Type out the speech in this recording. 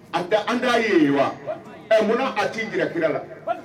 An tɛ an t'a ye yen wa munna a t'i jira kira la.